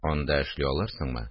Анда эшли алырсыңмы